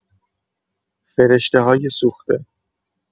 فرشته‌های سوخته